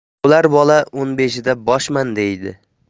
bo'lar bola o'n beshida boshman deydi